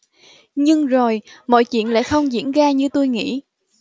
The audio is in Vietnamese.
nhưng rồi mọi chuyện lại không diễn ra như tôi nghĩ